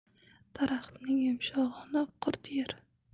daraxtning yumshog'ini qurt yer